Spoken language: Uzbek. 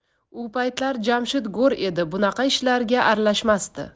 u paytlar jamshid g'o'r edi bunaqa ishlarga aralashmasdi